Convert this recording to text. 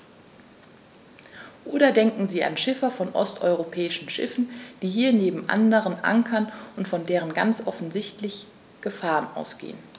Oder denken Sie an Schiffer von osteuropäischen Schiffen, die hier neben anderen ankern und von denen ganz offensichtlich Gefahren ausgehen.